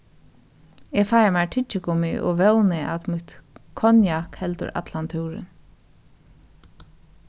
eg fái mær tyggigummi og vóni at mítt konjak heldur allan túrin